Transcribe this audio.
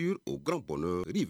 urent au grand bonheur rive